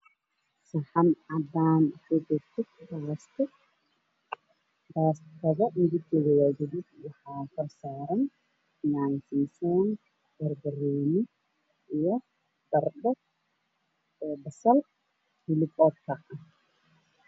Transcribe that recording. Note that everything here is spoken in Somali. Waa saxan ku jirto baasto baastadarkeedu waa jaallo baastada waxaa dul saareen danbanooni basal iyo kaaroto basbaas